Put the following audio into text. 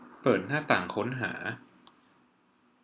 เปิดหน้าต่างค้นหา